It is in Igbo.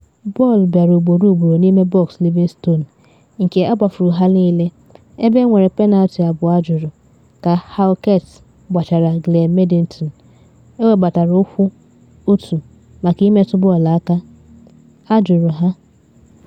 Bọọlụ bịara ugboro ugboro n’ime bọksị Livingston, nke agbafuru ha niile, ebe enwere penaltị abụọ ajụrụ - ka Halkett gbachara Glenn Middleton ewebatara ụkwụ, otu maka ịmetụ bọọlụ aka - ajụrụ ha.